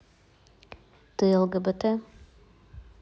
ты лгбт